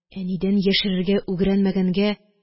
Әнидән яшерергә үгрәнмәгәнгә